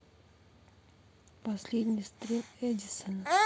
последний стрим эдисона